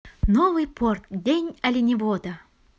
новый порт день оленевода